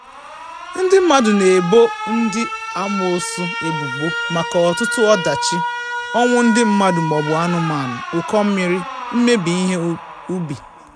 Ndị mmadụ na-ebo ndị amoosu ebubo maka ọtụtụ ọdachi: ọnwụ ndị mmadụ mọọbụ anụmanụ, ụkọ mmiri, mmebi ihe ubi, wdg.